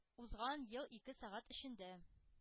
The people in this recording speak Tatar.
Узган ел ике сәгать эчендә